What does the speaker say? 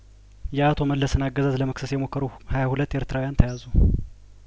የአቶ መለስን አገዛዝ ለመክሰስ የሞከሩ ሀያሁለት ኤርትራውያን ተያዙ